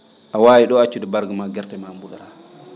a waawi ?oo accude barigo ma guerte ma mbu?ara